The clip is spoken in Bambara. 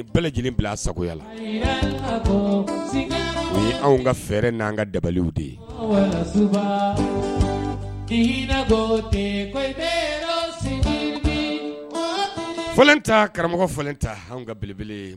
Lajɛlen bila sago la anw ka fɛɛrɛ n' ka dabaliw de ye fa ta karamɔgɔ falen ka beleb